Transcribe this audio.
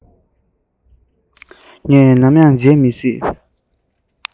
ངས ནམ ཡང བརྗེད མི སྲིད